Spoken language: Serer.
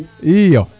iyo